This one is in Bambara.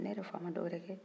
ne yɛrɛ fa ma dɔwɛrɛ kɛ